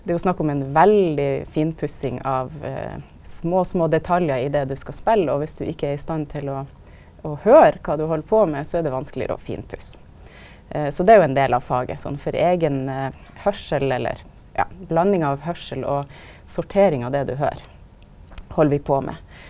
det er jo snakk om ei veldig finpussing av små små detaljar i det du skal spela, og viss du ikkje er i stand til å å høyra kva du held på med så er det vanskelegare å finpussa, så det er jo ein del av faget sånn for eigen høyrsel eller ja blanding av høyrsel og sortering av det du høyrer held vi på med.